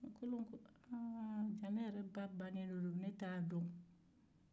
ɲamankolon ko aa jaa ne yɛrɛ ba bannen don ne to dɔn